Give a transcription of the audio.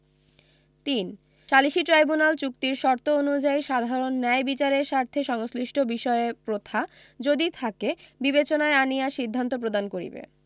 ৩ সালিসী ট্রাইব্যুনাল চুক্তির শর্ত অনুযায়ী সাধারণ ন্যায় বিচারের স্বার্থে সংশ্লিষ্ট বিষয়ে প্রথা যদি থাকে বিবেচনায় আনিয়া সিদ্ধান্ত প্রদান করিবে